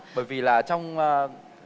bởi vì là trong ờ